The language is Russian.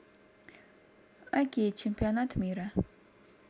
окей чемпионат мира